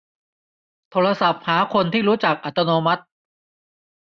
โทรศัพท์หาคนที่รู้จักอัตโนมัติ